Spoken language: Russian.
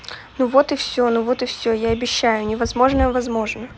ну вот и все ну вот и все я обещаю невозможное возможно